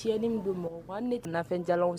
Tiɲɛɲi min do mɔgɔ kun hali ne tɛ Nafɛn jalan